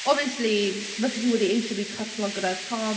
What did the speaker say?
Obviously, fyse hi wedi isie recouplo gyda Tom...